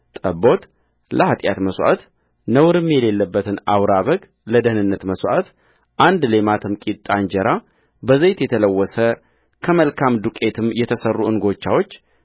ጠቦት ለኃጢአት መሥዋዕት ነውርም የሌለበትን አውራ በግ ለደኅንነት መሥዋዕትአንድ ሌማትም ቂጣ እንጀራ በዘይት የተለወሰ ከመልካም ዱቄትም የተሠሩ እንጐቻዎች